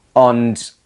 Ond